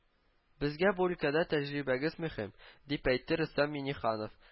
Безгә бу өлкәдә тәҗрибәгез мөһим, дип әйтте Рөстәм Миңнеханов